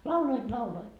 lauloivat lauloivat